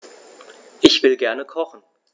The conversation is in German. Ich will gerne kochen.